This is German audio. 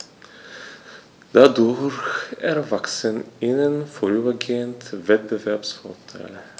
Dadurch erwachsen ihnen vorübergehend Wettbewerbsvorteile.